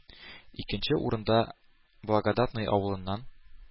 Икенче урында Благодатная авылыннан